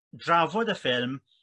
drafod y ffilm